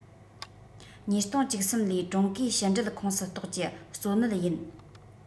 ༢༠༡༣ ལོའི ཀྲུང གོའི ཕྱི འབྲེལ ཁོངས སུ གཏོགས ཀྱི གཙོ གནད ཡིན